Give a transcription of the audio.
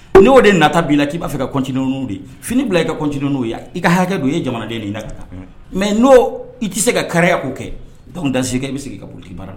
N'o de nata bin k'i'a fɛ kat ye finiini bila i kat'w ye yan i ka hakɛ don i ye jamanaden la mɛ n'o i tɛ se ka ka' kɛ ka da sigi i bɛ sigi kauruki baara la